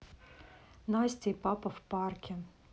настя и папа в парке